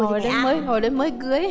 mới hồi đấy mới cưới